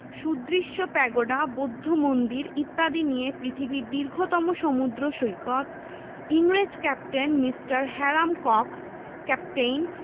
সুদৃশ্য প্যাগোডা বৌদ্ধ মন্দির ইত্যাদি নিয়ে পৃথিবীর দীর্ঘতম সমুদ্র সৈকত ইংরেজ captain mister Hiram Cox captain